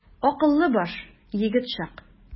Акыллы баш, егет чак.